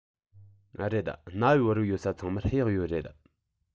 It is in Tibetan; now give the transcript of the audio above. རེད གནའ བོའི བོད རིགས ཡོད ས ཚང མར གཡག ཡོད རེད